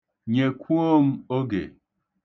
Nyekwuo m oge.